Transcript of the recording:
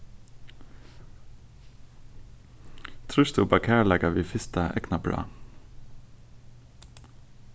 trýrt tú uppá kærleika við fyrsta eygnabrá